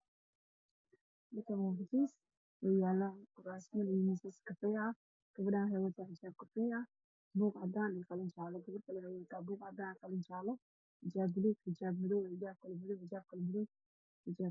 Halkaan waa xafiis waxaa yaalo kuraasman iyo miisas kafay ah, gabadhaan waxay wadataa xijaab kafay ah, buug cadaan ah iyo qalin jaale ah, gabar kale waxay wadataa buug cadaan ah, qalin jaale iyo xijaab buluug ah, xijaab madow ah, xijaab gaduud.